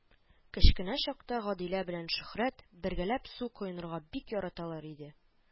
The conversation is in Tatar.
Кечкенә чакта Гадилә белән Шөһрәт бергәләп су коенырга бик яраталар иде